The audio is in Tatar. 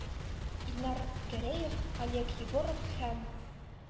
Илнар Гәрәев, Олег Егоров һәм